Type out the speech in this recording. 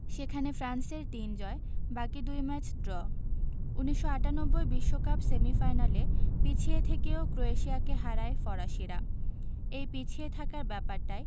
সেখানে ফ্রান্সের তিন জয় বাকি দুই ম্যাচ ড্র ১৯৯৮ বিশ্বকাপ সেমিফাইনালে পিছিয়ে থেকেও ক্রোয়েশিয়াকে হারায় ফরাসিরা এই পিছিয়ে থাকার ব্যাপারটায়